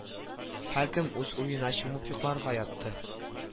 Һәркем үз уена чумып йокларга ятты